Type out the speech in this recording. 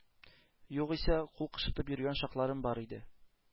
Югыйсә, кул кычытып йөргән чакларым бар иде.